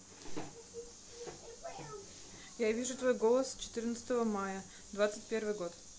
я вижу твой голос четырнадцатого мая двадцать первый год